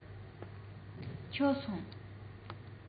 མཆོད སོང